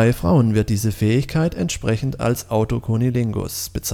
Frauen wird diese Fähigkeit entsprechend als Autocunnilingus bezeichnet